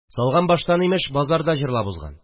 Салган баштан, имеш, базарда җырлап узган